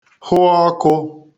hụ ọkụ̄